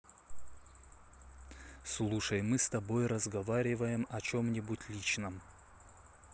слушай мы с тобой разговариваем о чем нибудь личном